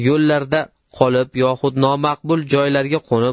ular yo'llarda qolib yoxud nomaqbul joylarga qo'nib